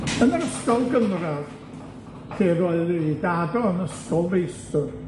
Yn yr ysgol gynradd, lle roedd ei dad o yn ysgol feistr,